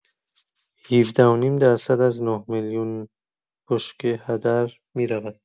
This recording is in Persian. ۱۷ و نیم درصد از ۹ میلیون بشکه هدر می‌رود.